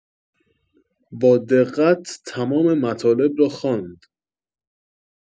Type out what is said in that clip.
با دقت تمام مطالب را خواند